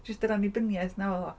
Jyst yr annibyniaeth 'na odd o.